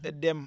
te dem